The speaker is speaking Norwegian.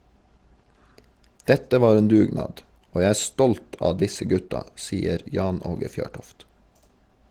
Dette var en dugnad, og jeg er stolt av disse gutta, sier Jan Åge Fjørtoft.